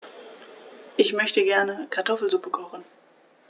Ich möchte gerne Kartoffelsuppe kochen.